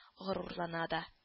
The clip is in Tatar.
Горурлана да